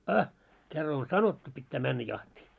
a kerran on sanottu pitää mennä jahtiin